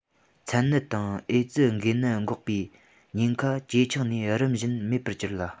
མཚན ནད དང ཨེ ཙི འགོས ནད འགོ བའི ཉེན ཁ ཇེ ཆུང ནས རིམ བཞིན མེད པར འགྱུར ལ